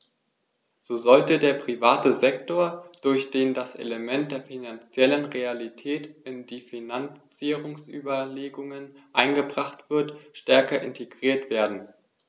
So sollte der private Sektor, durch den das Element der finanziellen Realität in die Finanzierungsüberlegungen eingebracht wird, stärker integriert werden.